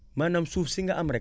maanaam suuf si nga am rek